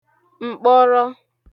m̀kpọrọ